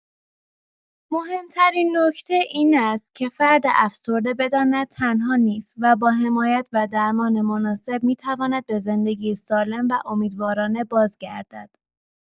مهم‌ترین نکته این است که فرد افسرده بداند تنها نیست و با حمایت و درمان مناسب می‌تواند به زندگی سالم و امیدوارانه بازگردد.